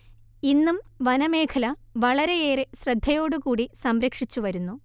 ഇന്നും വനമേഖല വളരെയേറെ ശ്രദ്ധയോടുകൂടി സംരക്ഷിച്ചു വരുന്നു